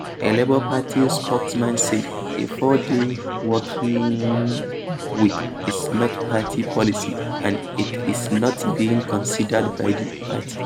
A Labour Party spokesman said: 'A four-day working week is not party policy and it is not being considered by the party.'